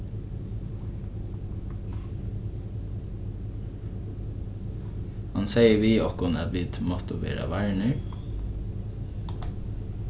hann segði við okkum at vit máttu vera varnir